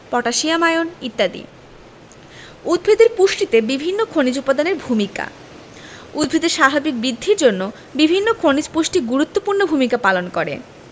potassium ion ইত্যাদি উদ্ভিদের পুষ্টিতে বিভিন্ন খনিজ উপাদানের ভূমিকা উদ্ভিদের স্বাভাবিক বৃদ্ধির জন্য বিভিন্ন খনিজ পুষ্টি গুরুত্বপূর্ণ ভূমিকা পালন করে